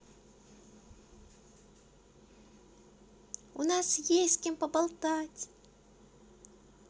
у нас есть с кем поболтать